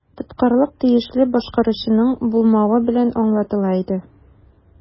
Тоткарлык тиешле башкаручының булмавы белән аңлатыла иде.